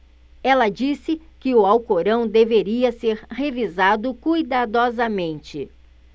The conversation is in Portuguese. ela disse que o alcorão deveria ser revisado cuidadosamente